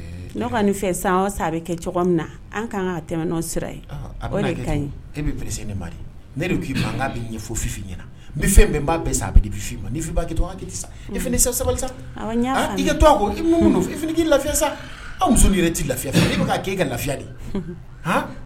Kɛ min na an ka ka tɛmɛ e ne ma ne de k'i fofin i ɲɛna n bɛ fɛn bɛn a bɛ ma e sabali to i k'i lafi sa anw muso yɛrɛ' lafiya e' e ka lafiya de